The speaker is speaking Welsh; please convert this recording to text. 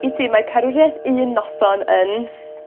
I ti mae carwriaeth un noson yn...